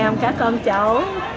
em các con cháu